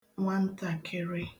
nwantàkịrị